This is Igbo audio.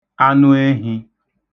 anụehī